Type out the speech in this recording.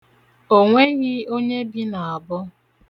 O nweghị onye bi n'abọ.